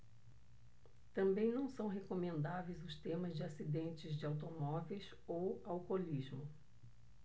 também não são recomendáveis os temas de acidentes de automóveis ou alcoolismo